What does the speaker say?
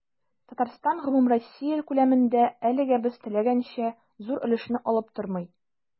Татарстан гомумроссия күләмендә, әлегә без теләгәнчә, зур өлешне алып тормый.